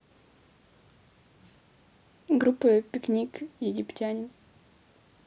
группа пикник египтянин